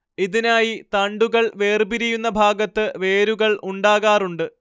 ഇതിനായി തണ്ടുകൾ വേർപിരിയുന്ന ഭാഗത്ത് വേരുകൾ ഉണ്ടാകാറുണ്ട്